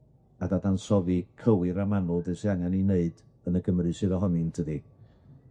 a dadansoddi cywir a manwl be' sy angen 'i wneud yn y Gymru sydd ohoni yntydy?